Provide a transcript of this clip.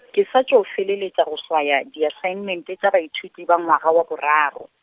ke sa tšo feleletša go swaya diasaenmente tša baithuti ba ngwaga wa boraro.